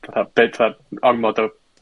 ...fatha beth fel ormod o